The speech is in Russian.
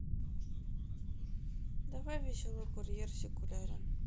давай веселый курьер секулярен